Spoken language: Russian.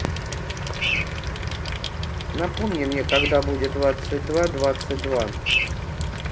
напомни мне когда будет двадцать два двадцать два